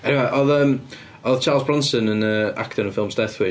Eniwe oedd yym, odd Charles Bronson yn y actor yn ffilms Deathwish.